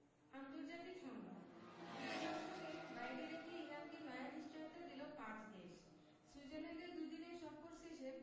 আন্তর্জাতিক সংবাদ যুক্তরাষ্ট্রকে বাইরে রেখেই ইরানকে নয়া নিশ্চয়তা দিল পাঁচ দেশ সুইজারল্যান্ডে দুদিনের সফর শেষে